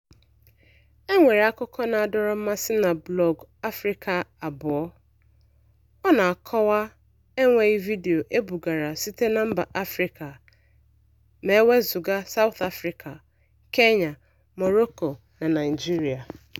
E nwere akụkọ na-adọrọ mmasị na blọọgụ Africa2.0 na-akọwa enweghị vidiyo ebugoro site na mba Africa (wezuga South Africa, Kenya, Morocco na Naịjirịa).